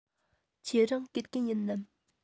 ཁྱེད རང དགེ རྒན ཡིན ནམ